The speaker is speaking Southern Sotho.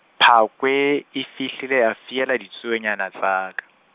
phakwe, e fihlile ya fiela ditsuonyana tsa ka.